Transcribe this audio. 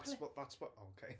that's what, that's wh- okay.